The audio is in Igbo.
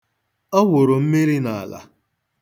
Ọ wụrụ mmiri n'ala.